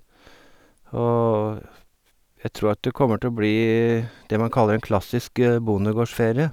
Og jeg tor at det kommer til å bli det man kaller en klassisk bondegårdsferie.